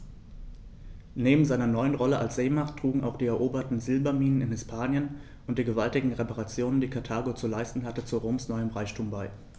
Neben seiner neuen Rolle als Seemacht trugen auch die eroberten Silberminen in Hispanien und die gewaltigen Reparationen, die Karthago zu leisten hatte, zu Roms neuem Reichtum bei.